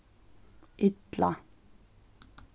illa